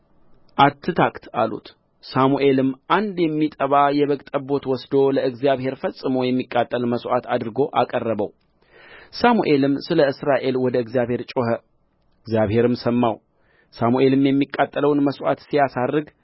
አትታክት አሉት ሳሙኤልም አንድ የሚጠባ የበግ ጠቦት ወስዶ ለእግዚአብሔር ፈጽሞ የሚቃጠል መሥዋዕት አድርጎ አቀረበው ሳሙኤልም ስለ እስራኤል ወደ እግዚአብሔር ጮኸ እግዚአብሔርም ሰማው ሳሙኤልም የሚቃጠለውን መሥዋዕት ሲያሳርግ